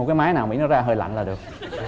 cái máy nào ra hơi lạnh là được